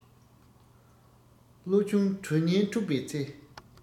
བློ ཆུང གྲོས ཉེས འཁྲུགས པའི ཚེ